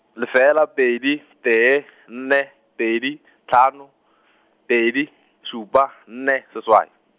lefela pedi tee , nne pedi tlhano , pedi šupa nne seswai.